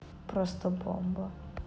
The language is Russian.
просто бомба